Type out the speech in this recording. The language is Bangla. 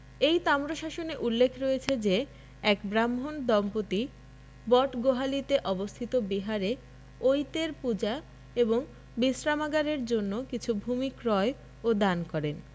এই তাম্রশাসনে উল্লেখ রয়েছে যে এক ব্রাহ্মণ দম্পতি বটগোহালীতে অবস্থিত বিহারে অইতের পূজা এবং বিশ্রামাগারের জন্য কিছু ভূমি ক্রয় ও দান করেন